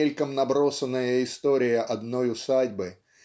мельком набросанная история одной усадьбы